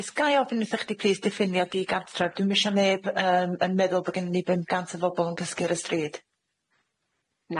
Carys ga i ofyn wrthoch chdi plîs diffinio digartref dwi'm isho i neb yym yn meddwl bo gennyn ni bump gant o bobol yn cysgu ar y stryd.